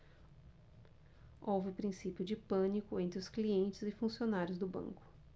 houve princípio de pânico entre os clientes e funcionários do banco